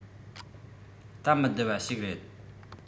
སྟབས མི བདེ བ ཞིག རེད